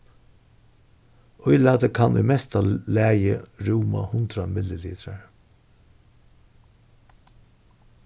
ílatið kann í mesta lagi rúma hundrað millilitrar